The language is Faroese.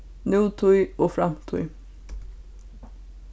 nútíð og framtíð